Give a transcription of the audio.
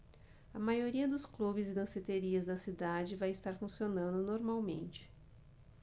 a maioria dos clubes e danceterias da cidade vai estar funcionando normalmente